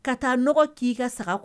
Ka taaɔgɔ k'i ka saga kɔnɔ